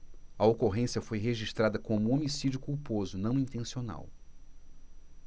a ocorrência foi registrada como homicídio culposo não intencional